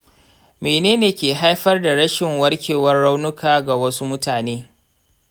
mene ne ke haifar da rashin warkewar raunuka ga wasu mutane?